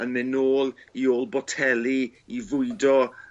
yn myn' nôl i ôl boteli i fwydo